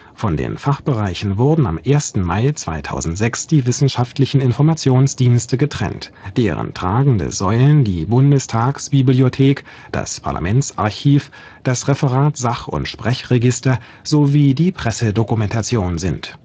Von den Fachbereichen wurden am 1. Mai 2006 die Wissenschaftlichen Informationsdienste getrennt, deren tragende Säulen die Bundestagsbibliothek, das Parlamentsarchiv, das Referat Sach - und Sprechregister sowie die Pressedokumentation sind